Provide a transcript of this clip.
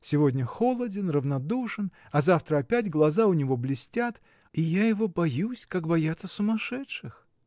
Сегодня холоден, равнодушен, а завтра опять глаза у него блестят, и я его боюсь, как боятся сумасшедших.